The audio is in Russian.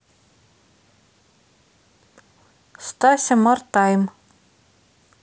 стася мар тайм